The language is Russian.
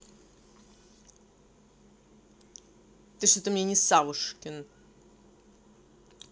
ты что то мне на савушкин